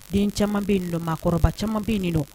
Den caman bɛ nin don maakɔrɔba caman bɛ nin don